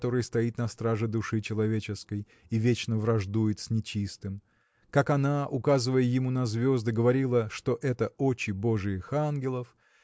который стоит на страже души человеческой и вечно враждует с нечистым как она указывая ему на звезды говорила что это очи божиих ангелов